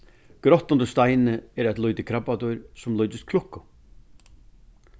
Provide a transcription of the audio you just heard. grátt undir steini er eitt lítið krabbadýr sum líkist klukku